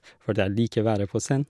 Fordi jeg liker være på scenen.